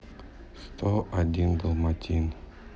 сто один далматин